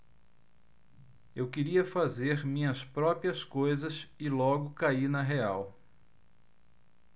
eu queria fazer minhas próprias coisas e logo caí na real